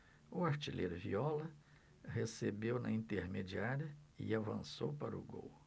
o artilheiro viola recebeu na intermediária e avançou para o gol